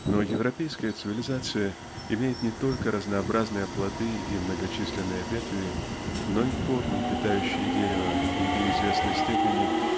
Но европейская цивилизация имеет не только разнообразные плоды и многочисленные ветви но и корни питающие дерево и до известной степени